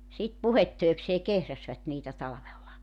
sitten puhdetöikseen kehräsivät niitä talvella